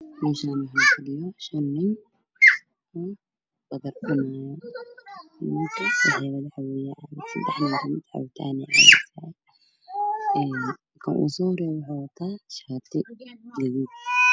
Meeshaan waxaa fadhiyo shan nin oo badar cunaayo. Seddex nina cabitaan ayay cabahayaan. Kan ugu soohoreeyo waxuu wataa shaati buluug ah.